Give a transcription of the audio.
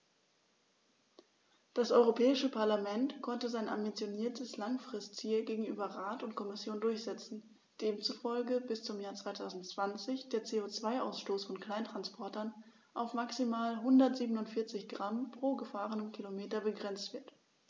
Das Europäische Parlament konnte sein ambitioniertes Langfristziel gegenüber Rat und Kommission durchsetzen, demzufolge bis zum Jahr 2020 der CO2-Ausstoß von Kleinsttransportern auf maximal 147 Gramm pro gefahrenem Kilometer begrenzt wird.